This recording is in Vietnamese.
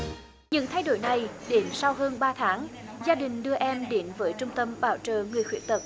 những thay đổi này đến sau hơn ba tháng gia đình đưa em đến với trung tâm bảo trợ người khuyết tật